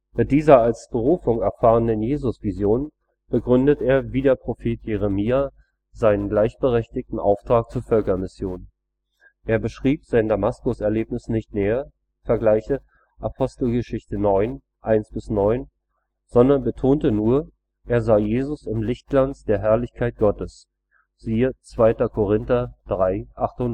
Mit dieser als Berufung erfahrenen Jesusvision (Gal 1,15 EU) begründete er wie der Prophet Jeremia seinen gleichberechtigten Auftrag zur Völkermission. Er beschrieb sein Damaskuserlebnis nicht näher (vgl. Apg 9,1 – 9 EU), sondern betonte nur: Er sah Jesus im Lichtglanz der Herrlichkeit Gottes (2 Kor 3,38 EU